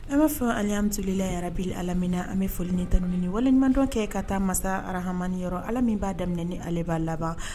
An bɛa fɔ alesyara bi amina an bɛ foli ni ta walimadɔ kɛ ka taa masa hamaniyɔrɔ ala min b'a daminɛ ni ale b'a laban